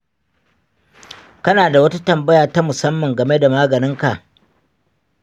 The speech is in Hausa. kana da wata tambaya ta musamman game da maganinka?